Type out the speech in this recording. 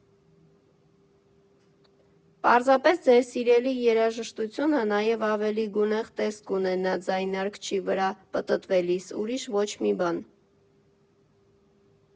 Պարզապես ձեր սիրելի երաժշտությունը նաև ավելի գունեղ տեսք կունենա ձայնարկչի վրա պտտվելիս, ուրիշ ոչ մի բան։